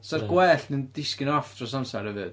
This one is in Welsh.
'Sa'r gwellt yn disgyn off dros amser hefyd.